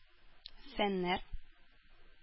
Фәннәр